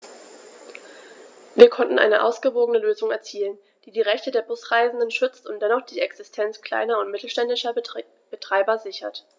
Wir konnten eine ausgewogene Lösung erzielen, die die Rechte der Busreisenden schützt und dennoch die Existenz kleiner und mittelständischer Betreiber sichert.